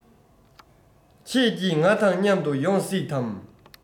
ཁྱེད ཀྱི ང དང མཉམ དུ ཡོང སྲིད དམ